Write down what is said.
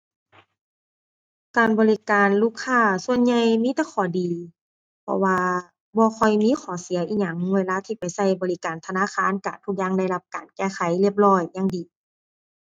การบริการลูกค้าส่วนใหญ่มีแต่ข้อดี เพราะว่าบ่ค่อยมีข้อเสียอิหยังเวลาที่ไปใช้บริการธนาคารใช้ทุกอย่างได้รับการแก้ไขเรียบร้อยอย่างดี